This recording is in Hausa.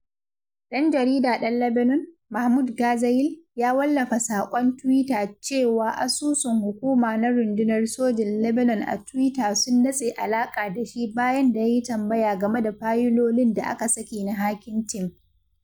Ɗan jarida ɗan Lebanon, Mahmoud Ghazayel, ya wallafa saƙon Twitter cewa asusun hukuma na Rundunar Sojin Lebanon a Twitter sun datse alaƙa da shi bayan da ya yi tambaya game da fayilolin da aka saki na Hacking Team.